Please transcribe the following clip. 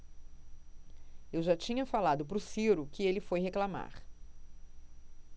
eu já tinha falado pro ciro que ele foi reclamar